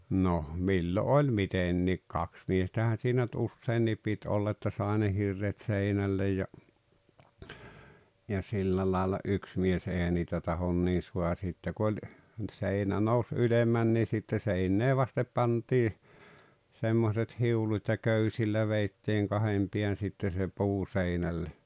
no milloin oli mitenkin kaksi miestähän siinä nyt useinkin piti olla että sai ne hirret seinälle ja ja sillä lailla yksi mies eihän niitä tahdo niin saa sitten kun oli - seinä nousi ylemmäs niin sitten seinää vasten pantiin semmoiset hiulut ja köysillä vedettiin kahden pään sitten se puu seinälle